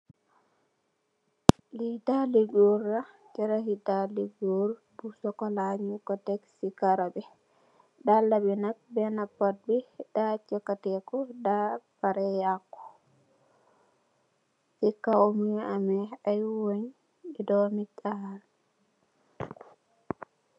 Li daali goor la cxaraxi daali goor bu cxocola nung ko tek si karo bi daala bi nak bena bi da capetiku da pare yaku si kaw mongi ame ay weng yu domitaal.